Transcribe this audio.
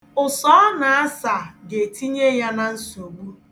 Ụsa ọ na-asa ga-etinye ya na nsogbu